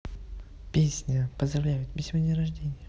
песня поздравляю у тебя сегодня день рождения